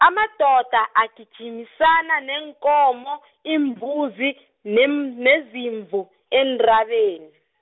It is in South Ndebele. amadoda agijimisana neenkomo, iimbuzi, nem- nezimvu eentabeni.